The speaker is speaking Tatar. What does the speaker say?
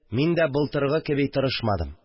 Мин дә былтыргы кеби тырышмадым